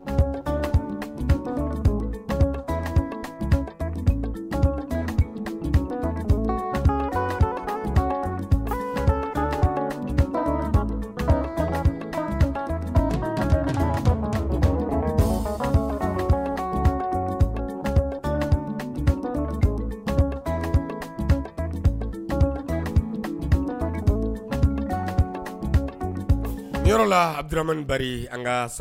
N yɔrɔla amanikari an ka